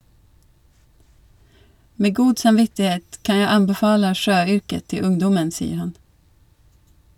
- Med god samvittighet kan jeg anbefale sjøyrket til ungdommen, sier han.